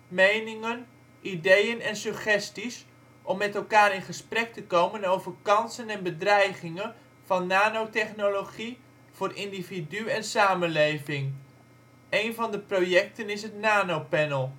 meningen, ideeën en suggesties om met elkaar in gesprek te komen over kansen en bedreigingen van nanotechnologie voor individu en samenleving. Een van de projecten is het nanopanel